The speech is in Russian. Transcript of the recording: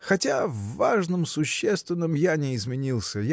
-- хотя в важном, существенном я не изменился